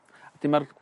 'dyn ma'r